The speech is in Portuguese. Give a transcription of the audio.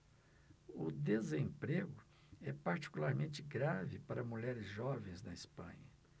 o desemprego é particularmente grave para mulheres jovens na espanha